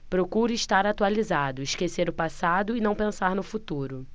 procuro estar atualizado esquecer o passado e não pensar no futuro